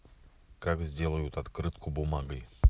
как сделают открытку бумагой